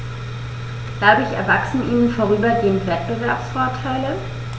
Dadurch erwachsen ihnen vorübergehend Wettbewerbsvorteile.